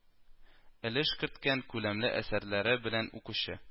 Өлеш керткән, күләмле әсәрләре белән укучы